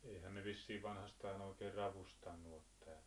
eihän ne vissiin vanhastaan oikein ravustanut ole täällä